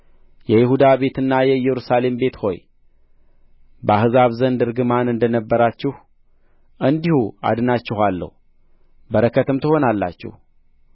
የይሁዳ ቤትና የእስራኤል ቤት ሆይ በአሕዛብ ዘንድ እርግማን እንደ ነበራችሁ እንዲሁ አድናችኋለሁ በረከትም ትሆናላችሁ